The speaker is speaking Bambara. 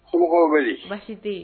Sogo wele baasi tɛ